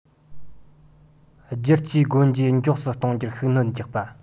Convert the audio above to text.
བསྒྱུར བཅོས སྒོ འབྱེད མགྱོགས སུ གཏོང རྒྱུར ཤུགས སྣོན རྒྱག པ